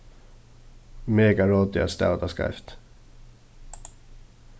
mega rotið at stava tað skeivt